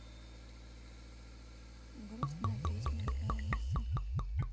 грустная песня для алисы